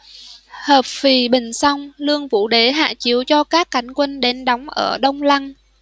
hợp phì bình xong lương vũ đế hạ chiếu cho các cánh quân đến đóng ở đông lăng